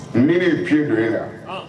Ni min ye pieds don e la ɔnhɔn